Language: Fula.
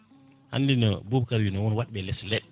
hande no Boubacar wini won wadɓe elees leɗɗe